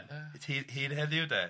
Hyd hyd heddiw de.